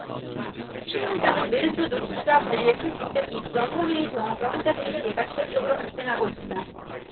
추 회장은 메르스 노출자 관리에 큰 공백이 있어 선의의 병원과 환자들의 피해가 지속적으로 발생하고 있다